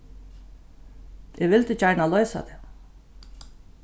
eg vildi gjarna loysa tað